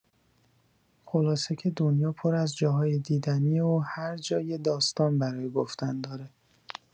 خلاصه که دنیا پر از جاهای دیدنیه و هر جا یه داستان برای گفتن داره.